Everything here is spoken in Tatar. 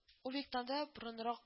Увектанда боронрак